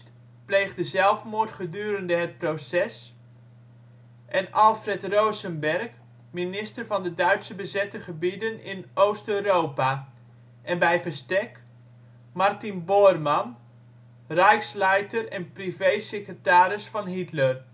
pleegde zelfmoord gedurende het proces) Alfred Rosenberg (Minister van de Duitse bezette gebieden in Oost-Europa). en bij verstek: Martin Bormann (Reichsleiter en privésecretaris van Hitler